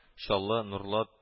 Чаллы, Нурлат